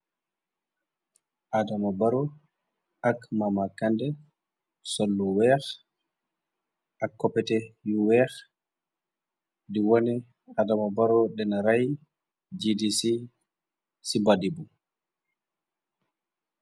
Adama Barrow ak Mama Kandeh sol lu wèèx ak koppete yu weex di waneh Adama Barrow dena ray GDC ci bàddibu.